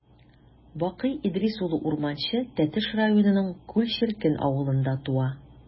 Бакый Идрис улы Урманче Тәтеш районының Күл черкен авылында туа.